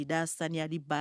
Idayali ba